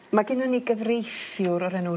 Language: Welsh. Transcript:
Ma' gennon ni gyfreithiwr o'r enw...